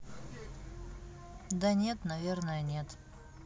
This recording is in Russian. да нет наверное нет